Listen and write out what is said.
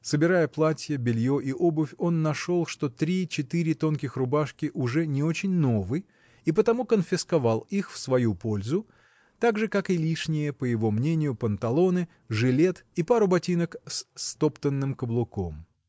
Собирая платье, белье и обувь, он нашел, что три-четыре тонких рубашки уж не очень новы, и потому конфисковал их в свою пользу, так же как и лишние, по его мнению, панталоны, жилет и пару ботинок с стоптанным каблуком.